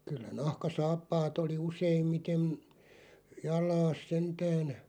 kyllä nahkasaappaat oli useimmiten jalassa sentään